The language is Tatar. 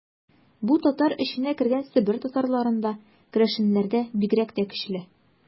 Бу татар эченә кергән Себер татарларында, керәшеннәрдә бигрәк тә көчле.